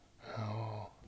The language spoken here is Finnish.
joo